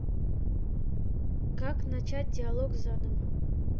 как начать диалог заново